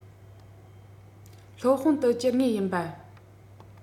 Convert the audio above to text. སློབ དཔོན ཏུ གྱུར ངེས ཡིན པ